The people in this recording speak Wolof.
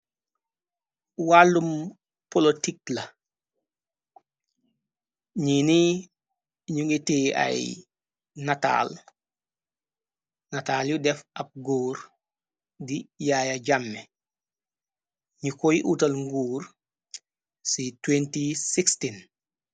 Wàllum polotik la ñi ni ñu ngi tee ay natal yu def ab góre di yaaya jamme ñi koy uutal nguur ci 2016.